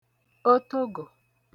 otogò